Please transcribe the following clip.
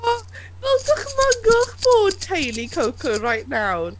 O, fel dychmygwch bod teulu Coco right nawr...